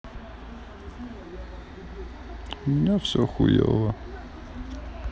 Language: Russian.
у меня все хуево